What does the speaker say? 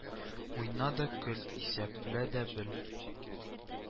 Уйна да көл, исәплә дә бел